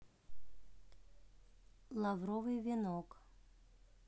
лавровый венок